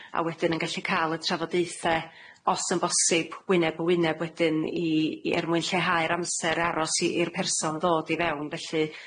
A wedyn yn gallu ca'l y trafodaethe, os yn bosib, wyneb yn wyneb wedyn i i- er mwyn lleihau'r amser aros i i'r person ddod i fewn. Felly